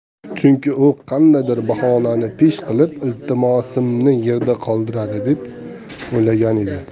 chunki u qandaydir bahonani pesh qilib iltimosimni yerda qoldiradi deb o'ylagan edi